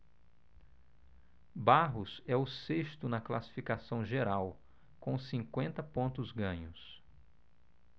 barros é o sexto na classificação geral com cinquenta pontos ganhos